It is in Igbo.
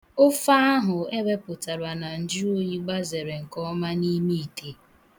Ofe ahụ ewepụtara na njụoyi gbazere nke ọma n'ime ite.